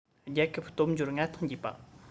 རྒྱལ ཁབ སྟོབས འབྱོར མངའ ཐང རྒྱས པ